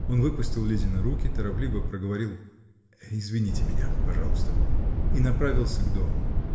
Он выпустил Лизины руки, торопливо проговорил: "Извините меня, пожалуйста", -- и направился к дому.